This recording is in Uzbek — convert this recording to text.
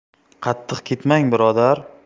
qattiq ketmang birodar